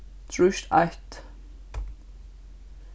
trýst eitt